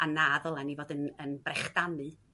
A na ddylen ni fod yn yn brechdanu